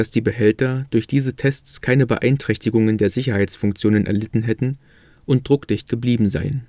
die Behälter durch diese Tests keine Beeinträchtigungen der Sicherheitsfunktionen erlitten hätten und druckdicht geblieben seien